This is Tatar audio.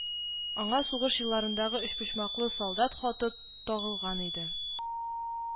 Аңа сугыш елларындагы өчпочмаклы солдат хаты тагылган иде